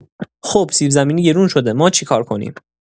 خب سیب‌زمینی گرون شده، ما چی‌کار کنیم؟